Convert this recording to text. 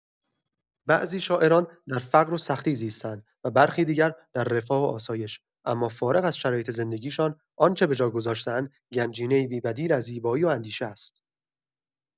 بعضی شاعران در فقر و سختی زیسته‌اند و برخی دیگر در رفاه و آسایش، اما فارغ از شرایط زندگی‌شان، آنچه به جا گذاشته‌اند، گنجینه‌ای بی‌بدیل از زیبایی و اندیشه است.